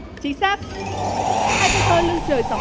chính xác hai câu thơ lưng trời sóng